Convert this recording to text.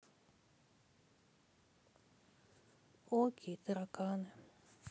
огги и тараканы